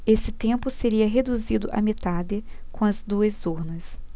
esse tempo seria reduzido à metade com as duas urnas